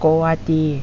โกวาจี